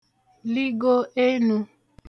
lịgo enū